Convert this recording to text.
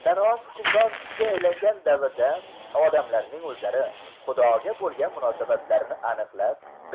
sanoat hukmron kuchga aylangan davrda odamlarning o'zlari xudoga bo'lgan munosabatlarini aniqlab